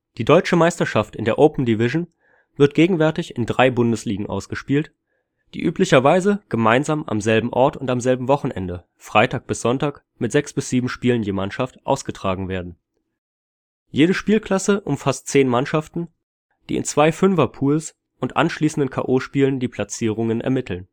Die deutsche Meisterschaft in der Open-Division wird gegenwärtig in drei Bundesligen ausgespielt, die üblicherweise gemeinsam am selben Ort und am selben Wochenende (Freitag bis Sonntag mit 6-7 Spielen je Mannschaft) ausgetragen werden. Jede Spielklasse umfasst 10 Mannschaften, die in zwei 5er-Pools und anschließenden K.O.-Spielen die Platzierungen ermitteln